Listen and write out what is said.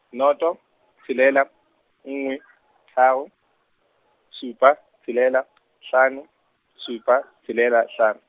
noto, tshelela, nngwe, tharo, supa, tshelela , hlano, supa, tshelela, hlan-.